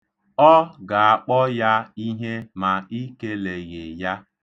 Ọ ga-akpọ ya ihe ma i keleghị ya.